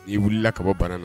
N'i wulilala kababɔ bana na